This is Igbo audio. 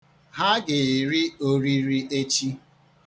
Ha ga-eri oriri echi.